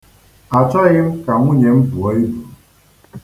Achọghị m ka nwunye m buo ibu.